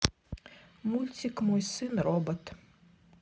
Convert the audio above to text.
мультик мой сын робот